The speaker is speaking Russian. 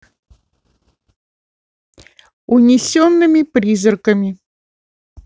унесенными призраками